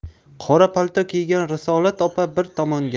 qora palto kiygan risolat opa bir tomonga